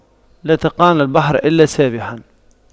لا تقعن البحر إلا سابحا